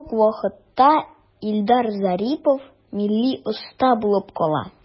Шул ук вакытта Илдар Зарипов милли оста булып кала.